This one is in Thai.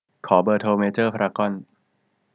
ขอเบอร์โทรเมเจอร์พารากอน